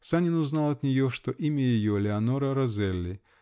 Санин узнал от нее, что имя ее -- Леонора Розелли